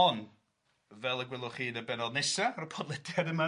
ond fel y gwelwch chi yn y bennod nesa ar y podlediad yma de